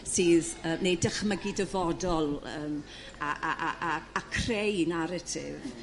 sydd yrr... Neu dychmygu dyfodol yrm a a a a a creu naratif.